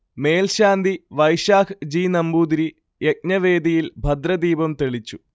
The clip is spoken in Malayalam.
മേൽശാന്തി വൈശാഖ് ജി. നമ്പൂതിരി യജ്ഞവേദിയിൽ ഭദ്രദീപം തെളിച്ചു